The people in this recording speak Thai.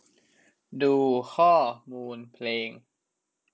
ดูข้อมูลเพลง